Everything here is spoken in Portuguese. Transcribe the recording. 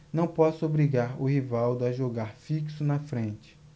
não posso obrigar o rivaldo a jogar fixo na frente